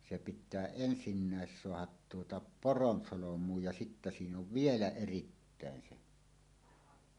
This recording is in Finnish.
se pitää ensimmäiseksi saada tuota poronsolmuun ja sitten siinä on vielä erittäin se